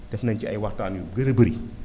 def na ñu ci ay waxtaan yu gën a bari